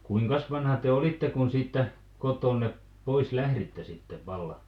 kuinkas vanha te olitte kun siitä kotoanne pois lähditte sitten vallan